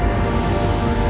ngược